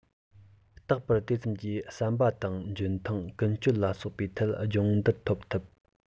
རྟག པར དེ ཙམ གྱིས བསམ པ དང འཇོན ཐང ཀུན སྤྱོད ལ སོགས པའི ཐད སྦྱོང བརྡར འཐོབ ཐུབ